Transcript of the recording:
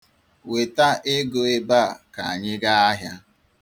Weta ego ebe a ka anyị gaa ahịa.